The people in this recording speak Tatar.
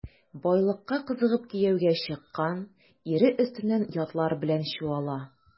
Байлыкка кызыгып кияүгә чыккан, ире өстеннән ятлар белән чуала.